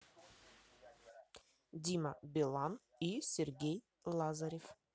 дима билан и сергей лазарев